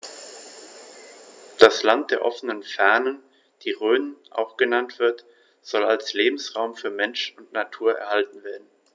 Das „Land der offenen Fernen“, wie die Rhön auch genannt wird, soll als Lebensraum für Mensch und Natur erhalten werden.